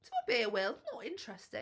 Timod be Will, not interesting.